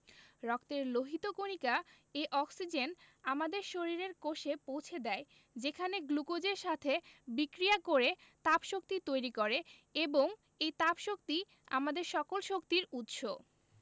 রক্তের লোহিত কণিকা এই অক্সিজেন আমাদের শরীরের কোষে পৌছে দেয় সেখানে গ্লুকোজের সাথে বিক্রিয়া করে তাপশক্তি তৈরি করে এবং এই তাপশক্তি আমাদের সকল শক্তির উৎস